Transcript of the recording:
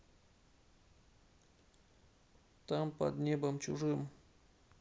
там под небом чужим